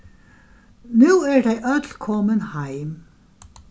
nú eru tey øll komin heim